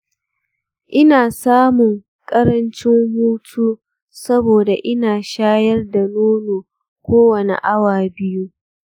ina samun ƙarancin hutu saboda ina shayar da nono kowane awa biyu.